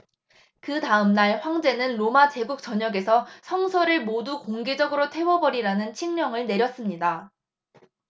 그다음 날 황제는 로마 제국 전역에서 성서를 모두 공개적으로 태워 버리라는 칙령을 내렸습니다